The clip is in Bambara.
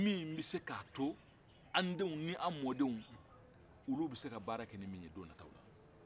min bɛ se k'a to andenw ni an mɔdenw olu bɛ se ka baara kɛ ni min ye don nataw la